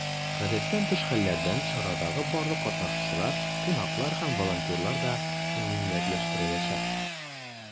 Гадәттән тыш хәлләрдән чарадагы барлык катнашучылар, кунаклар һәм волонтерлар да иминиятләштереләчәк.